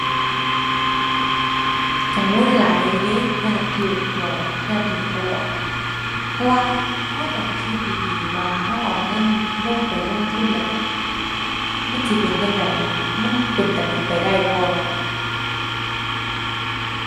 กังวลหลายอยู่เดะ ย้านถูกหลอก ย้านถูกเขาหลอก เพราะว่าถูกต้องคิดดีดีว่าถูกเอาเงินลงไปลงทุนแล้วเนี่ย มันสิเป็นจั่งใด มันเป็นตาเป็นไปได้บ่